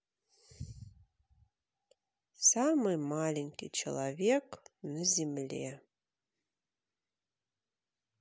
самый маленький человек на земле